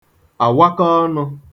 àwaka-ọnụ̄